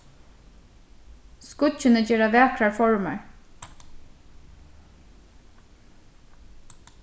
skýggini gera vakrar formar